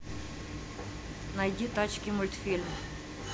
найди тачки мультфильм